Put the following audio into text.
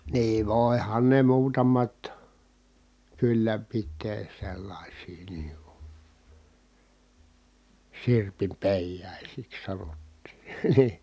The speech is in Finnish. niin voihan ne muutamat kyllä pitää sellaisia niin kuin sirpinpeijaisiksi sanottiin niin